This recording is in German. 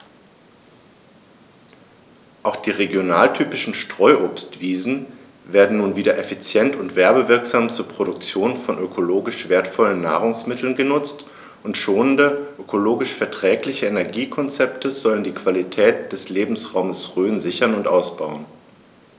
Auch die regionaltypischen Streuobstwiesen werden nun wieder effizient und werbewirksam zur Produktion von ökologisch wertvollen Nahrungsmitteln genutzt, und schonende, ökologisch verträgliche Energiekonzepte sollen die Qualität des Lebensraumes Rhön sichern und ausbauen.